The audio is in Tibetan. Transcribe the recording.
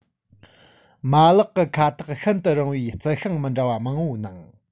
མ ལག གི ཁ ཐག ཤིན ཏུ རིང བའི རྩི ཤིང མི འདྲ བ མང པོའི ནང